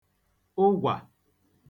ụgwà